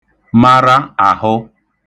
mara àhụ